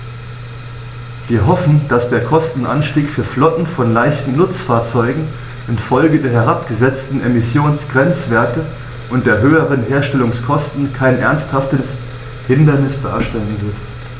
Wir hoffen, dass der Kostenanstieg für Flotten von leichten Nutzfahrzeugen in Folge der herabgesetzten Emissionsgrenzwerte und der höheren Herstellungskosten kein ernsthaftes Hindernis darstellen wird.